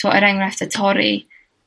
t'mo', er enghraifft, y torri